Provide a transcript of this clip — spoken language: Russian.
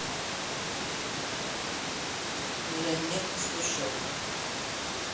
миллионер из трущоб